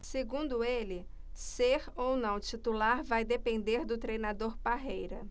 segundo ele ser ou não titular vai depender do treinador parreira